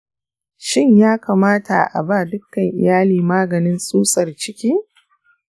shin ya kamata a ba dukkan iyali maganin tsutsar ciki?